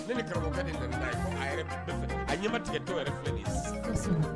Ne ni karamɔgɔkɛ de nana n'a ye a yɛrɛ bɛ fɛ a ɲɛmatigɛtɔ yɛrɛ de filɛ noin ye sisan, kosɛbɛ